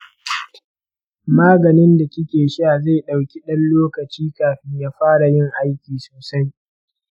maganin da kike sha zai ɗauki ɗan lokaci kafin ya fara yin aiki sosai.